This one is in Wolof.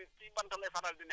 ak xansanduur